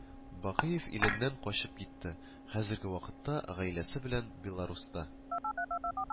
Бакыев иленнән качып китте, хәзерге вакытта гаиләсе белән Беларуста